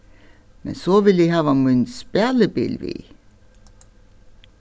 men so vil eg hava mín spælibil við